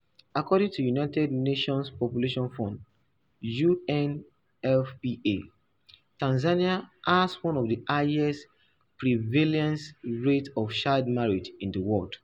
According to the United Nations Population Fund (UNFPA), Tanzania has one of the highest prevalence rates of child marriage in the world.